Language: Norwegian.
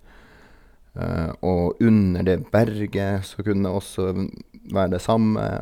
Og under det berget så kunne det også være det samme.